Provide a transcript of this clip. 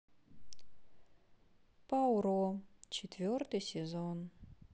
пуаро четвертый сезон